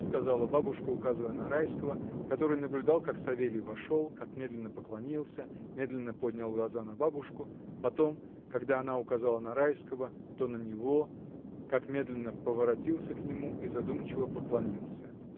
— сказала бабушка, указывая на Райского, который наблюдал, как Савелий вошел, как медленно поклонился, медленно поднял глаза на бабушку, потом, когда она указала на Райского, то на него, как медленно поворотился к нему и задумчиво поклонился.